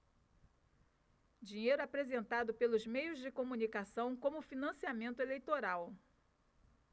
dinheiro apresentado pelos meios de comunicação como financiamento eleitoral